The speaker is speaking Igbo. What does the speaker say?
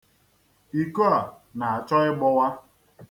Iko a na-achọ igbọwa.